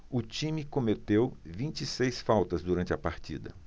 o time cometeu vinte e seis faltas durante a partida